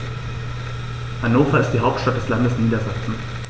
Hannover ist die Hauptstadt des Landes Niedersachsen.